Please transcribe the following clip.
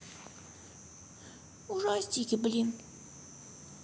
ужастики блин